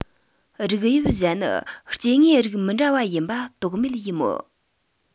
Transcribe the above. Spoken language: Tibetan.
རིགས དབྱིབས གཞན ནི སྐྱེ དངོས རིགས མི འདྲ བ ཡིན པ དོགས མེད ཡིན མོད